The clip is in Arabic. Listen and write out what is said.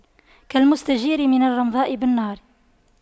كالمستجير من الرمضاء بالنار